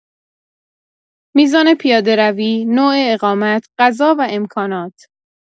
میزان پیاده‌روی، نوع اقامت، غذا و امکانات.